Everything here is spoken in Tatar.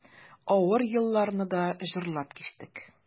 Авыр елларны да җырлап кичтек.